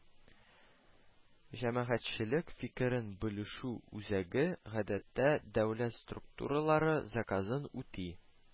Җәмәгатьчелек фикерен белешү үзәге, гадәттә, дәүләт структуралары заказын үти